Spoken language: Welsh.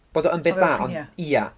Bod o yn beth da, ond ia...